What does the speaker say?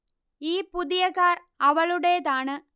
ഈ പുതിയ കാർ അവളുടെതാണ്